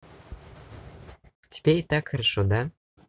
тебя и так хорошо да